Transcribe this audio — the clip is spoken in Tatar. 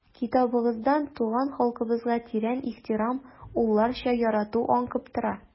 Китабыгыздан туган халкыбызга тирән ихтирам, улларча ярату аңкып тора.